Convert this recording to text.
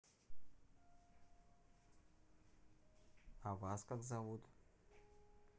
а вас как зовут